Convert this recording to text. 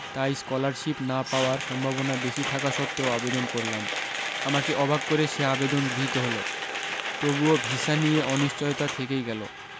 তাই স্কলারশীপ না পাওয়ার সম্ভাবনা বেশী থাকা সত্ত্বেও আবেদন করলাম আমাকে অবাক করে সে আবেদন গৃহীত হলো তবুও ভিসা নিয়ে অনিশ্চয়তা থেকেই গেলো